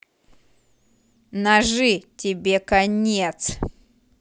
ножи тебе конец